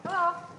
Helo!